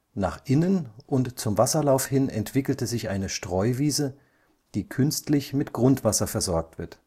Nach innen und zum Wasserlauf hin entwickelte sich eine Streuwiese, die künstlich mit Grundwasser versorgt wird